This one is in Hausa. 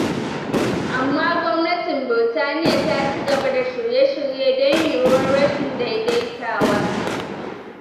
Amma Gwamnatin Birtaniya ta ci gaba da shirye-shirye don yiwuwar rashin daidaitawa.